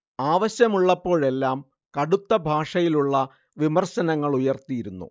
ആവശ്യമുള്ളപ്പോഴെല്ലാം കടുത്ത ഭാഷയിലുള്ള വിമർശനങ്ങളുയർത്തിയിരുന്നു